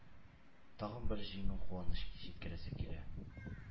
Тагын бер җиңү-куанычын җиткерәсе килә.